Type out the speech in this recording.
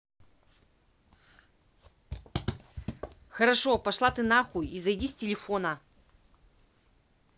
хорошо пошла ты нахуй и зайди с телефона